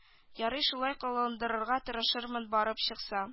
Ярый шулай кыландырырга тырышырмын барып чыкса